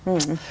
ja.